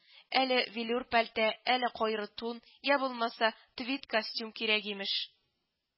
Әле велюр пәлтә, әле кайры тун, йә булмаса твид костюм кирәк имеш